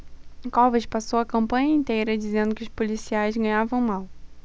covas passou a campanha inteira dizendo que os policiais ganhavam mal